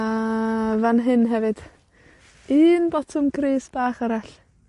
A, fan hyn hefyd, un Botwm Crys bach arall.